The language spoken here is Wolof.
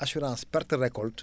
assurance perte récolte